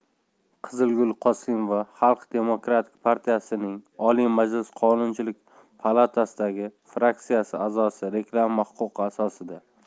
qizilgul qosimova xalq demokratik partiyasiningoliy majlis qonunchilik palatasidagi fraksiyasi a'zosireklama huquqi asosida